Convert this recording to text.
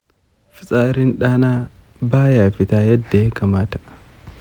fitsarin ɗana ba ya fita yadda ya kamata.